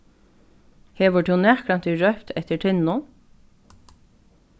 hevur tú nakrantíð rópt eftir tinnu